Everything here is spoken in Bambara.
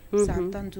San tantu